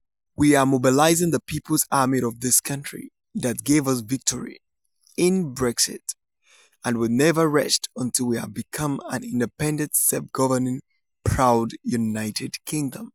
We are mobilizing the people's army of this country that gave us victory in Brexit and will never rest until we have become an independent, self-governing, proud United Kingdom.'